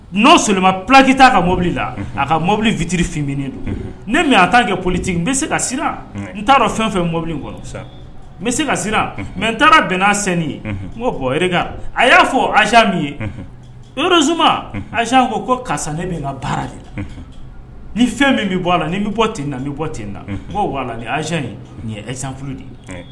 N'o soma paki ta ka mobili la a ka mɔbili fitirinen don ne taa kɛ politigi n bɛ se ka n taara fɛn fɛn mɔbili kɔnɔ n bɛ se ka mɛ n taara bɛnnasennin ye n ko a y'a fɔ ayiz min ye yɔrɔ zuma ayiz ko ko karisa ne bɛ n ka baara de la ni fɛn min bɛ bɔ a la ni bɛ bɔ ten na ni bɔ ten na bɔ la niz nin yez de ye